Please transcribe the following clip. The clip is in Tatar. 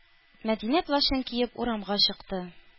Мәдинә плащын киеп урамга чыкты.